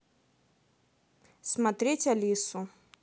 смотреть алису